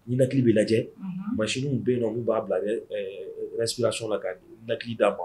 Ni lakili bɛ lajɛ masw bɛ yen nɔn k uu b'a bilasi sɔn na ka lakili d'a ma